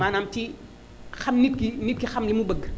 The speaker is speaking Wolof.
maanaam ci xam nit ki nit ki xam li mu bëgg